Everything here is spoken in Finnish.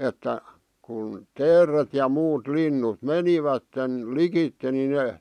että kun teeret ja muut linnut menivät likitse niin ne